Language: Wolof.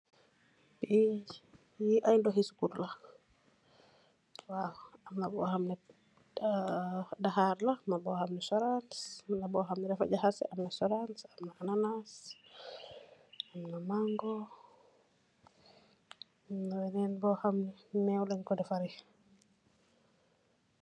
Yii ay ndohu sukur la, waaw, amna bo hamneh dahaar la, amna bo hamneh soraans la, amna bo hamneh dafa jahase amna soraans, amna ananas, amna mango, amna benen bo hambeh meew lenko defareeh.